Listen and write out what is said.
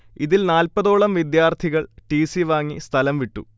ഇതിൽ നാല്പതോളം വിദ്യാർത്ഥികൾ ടി സി വാങ്ങി സ്ഥലം വിട്ടു